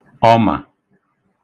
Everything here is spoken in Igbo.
ọmà